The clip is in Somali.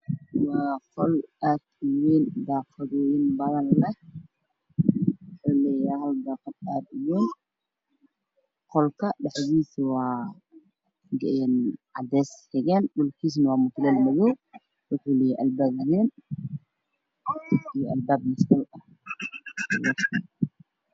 Waxaa ii muuqda guri hadda la dhisay oo midabkiisu yahay danbes daaqadaha waa madow waxayna ka daaran kale jaalle ah